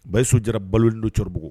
Ba ye sodi balolen don cɛkɔrɔbabugu